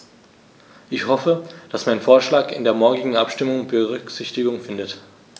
Ich hoffe, dass mein Vorschlag in der morgigen Abstimmung Berücksichtigung findet.